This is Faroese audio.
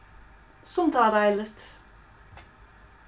sum tað var deiligt